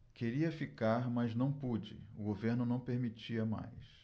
queria ficar mas não pude o governo não permitia mais